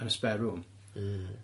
...yn y spare room. Yy.